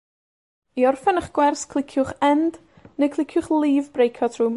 I orffen 'ych gwers, cliciwch End, neu cliciwch Leave Brakeout Room, os 'dach chi dal yn